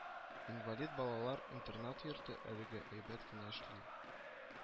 Инвалид балалар интернатйорты әлегә әйбәт кенә эшли